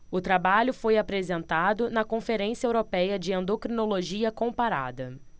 o trabalho foi apresentado na conferência européia de endocrinologia comparada